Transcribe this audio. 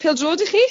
Pêl-drod 'ych chi?